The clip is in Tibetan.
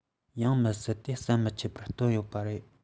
ཡང མི སྲིད དེ ཟམ མི ཆད པར བཏོན ཡོད པ རེད